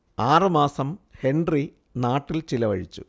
ആറുമാസം ഹെൻറി നാട്ടിൽ ചിലവഴിച്ചു